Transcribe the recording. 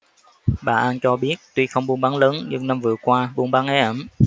bà an cho biết tuy không buôn bán lớn nhưng năm vừa qua buôn bán ế ẩm